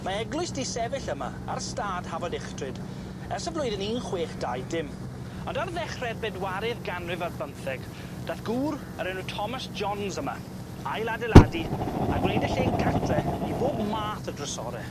Ma' eglwys 'di sefyll yma ar stad Hafod Uchdryd ers y flwyddyn un chwech dau dim ond ar ddechre'r bedwaredd ganrif ar bymtheg dath gŵr o'r enw Thomas Jones yma ailadeiladu a gwneud y lle'n gartre i bob math o drysore.